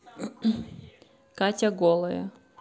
катя голая